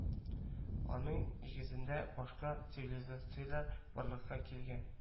Аның нигезендә башка цивилизацияләр барлыкка килгән